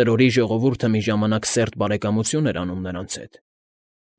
Տրորի ժողովուրդը մի ժամանակ սերտ բարեկամություն էր անում նրանց հետ,